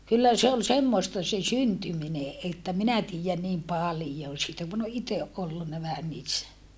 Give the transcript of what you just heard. kyllä se oli semmoista se syntyminen että minä tiedän niin paljon siitä kun olen itse ollut vähän niissä